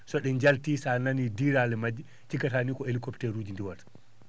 so?e jalti sa nanii diiraali majji cikkataa ni ko hélicoptère uji diwata